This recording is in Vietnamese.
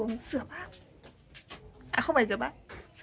bây giờ em xuống rửa bát p à không phải rửa bát ss